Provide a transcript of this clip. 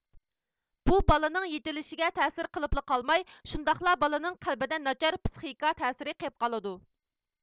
بۇ بالىنىڭ يېتىلىشىگە تەسىر قىلىپلا قالماي شۇنداقلا بالىنىڭ قەلبىدە ناچار پسىخىكا تەسىرى قېپقالىدۇ